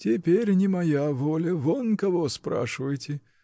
— Теперь не моя воля — вон кого спрашивайте!